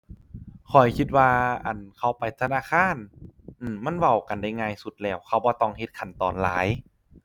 ข้อยคิดว่า อั่น เขาไปธนาคาร อื้อ มันเว้ากันได้ง่ายสุดแล้ว เขาบ่ต้องเฮ็ดขั้นตอนหลาย